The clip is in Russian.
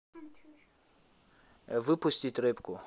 выпустить репку